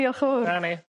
Diolch 'y fowr. 'Na ni.